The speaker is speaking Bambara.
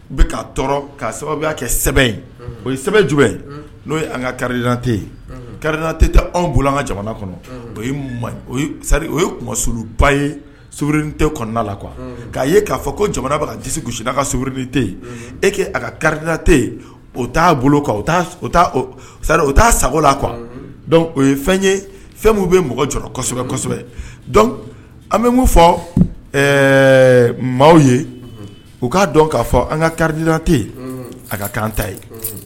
Bɛ k'a ka sababuya kɛ sɛbɛnbɛ o sɛbɛnbɛ jumɛn n'o an ka kariina kari tɛ anw bolo an ka oba ye tɛ la qu k'a ye'a fɔ ko jamana ka disisi a ka so tɛ e a ka kariina tɛ o taa bolo kanri o taa sago la qu o ye fɛn ye fɛn bɛ mɔgɔ jɔ kosɛbɛ an bɛ'u fɔ maaw ye u k'a dɔn k'a fɔ an ka kariina tɛ a ka kan ta ye